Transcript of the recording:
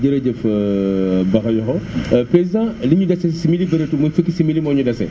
jërëjëf Bakhayokho président li ñu dese si simili bëreetul fukki simili moo ñu dese